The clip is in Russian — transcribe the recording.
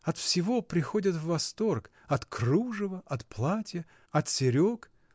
от всего приходят в восторг: от кружева, от платья, от серег